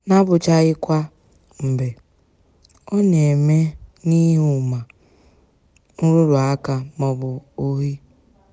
N'abụchaghị kwa mgbe, ọ na-eme n'ihi ụma nrụrụaka maọbụ ohi.